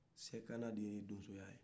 sekana de ye donsoya ye